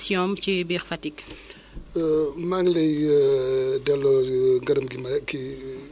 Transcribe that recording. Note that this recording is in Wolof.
et pourtant nawet bi fii ren jii ni mu démarré ñun ñëpp tiitoon nañu parce que la première pluie à Fatick ñu ngi am 91 virgule 7 milimètres